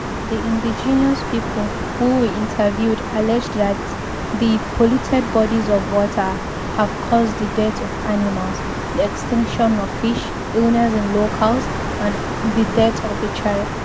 The Indigenous people who we interviewed alleged that the polluted bodies of water have caused the deaths of animals, the extinction of fish, illnesses in locals, and the death of a child.